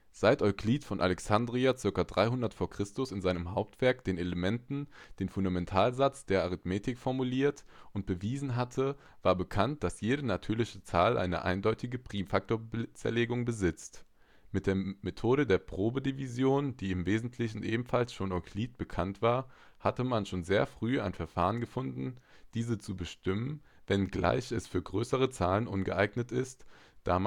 Seit Euklid von Alexandria ca. 300 Jahre vor Christus in seinem Hauptwerk, den Elementen, den Fundamentalsatz der Arithmetik formuliert und bewiesen hatte, war bekannt, dass jede natürliche Zahl eine eindeutige Primfaktorzerlegung besitzt. Mit der Methode der Probedivision, die im Wesentlichen ebenfalls schon Euklid bekannt war, hatte man schon sehr früh ein Verfahren gefunden, diese zu bestimmen; wenngleich es für größere Zahlen ungeeignet ist, da